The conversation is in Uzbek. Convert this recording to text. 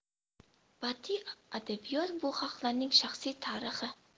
badiiy adabiyot bu xalqlarning shaxsiy tarixi